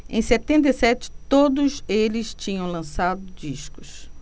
em setenta e sete todos eles tinham lançado discos